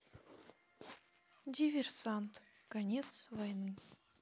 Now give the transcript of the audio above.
диверсант конец войны